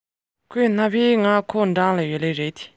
མེ དགུན ཁའི ཉི མར བདག པོ ཡོད